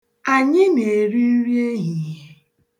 Anyị na-eri nri ehihie.